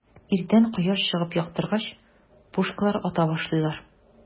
Иртән кояш чыгып яктыргач, пушкалар ата башлыйлар.